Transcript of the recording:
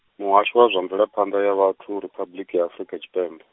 Muhasho wa zwa mvelaphanḓa ya Vhathu Riphabuḽiki ya Afrika Tshipembe.